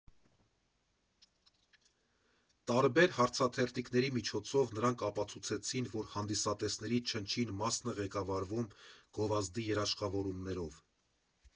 Տարբեր հարցաթերթիկների միջոցով նրանք ապացուցեցին, որ հանդիսատեսների չնչին մասն է ղեկավարվում գովազդի երաշխավորումներով։